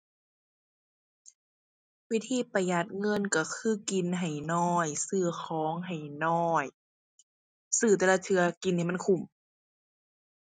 วิธีประหยัดเงินก็คือ กินให้น้อย ซื้อของให้น้อย ซื้อแต่ละเทื่อกินให้มันคุ้ม